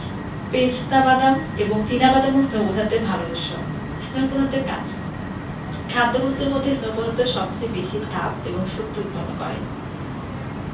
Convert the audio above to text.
পেস্তা বাদাম এবং চিনা বাদামও স্নেহ পদার্থের ভালো উৎস স্নেহ পদার্থের কাজ খাদ্যবস্তুর মধ্যে স্নেহ পদার্থ সবচেয়ে বেশী তাপ এবং শক্তি উৎপন্ন করে